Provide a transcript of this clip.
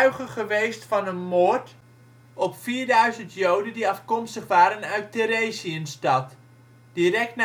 geweest van een moord op 4000 Joden die afkomstig waren uit Theresienstadt. Direct